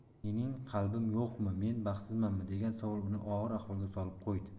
mening qalbim yo'qmi men baxtsizmanmi degan savol uni og'ir ahvolga solib qo'ydi